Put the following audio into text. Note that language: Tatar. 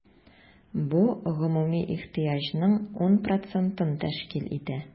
Бу гомуми ихтыяҗның 10 процентын тәшкил итә.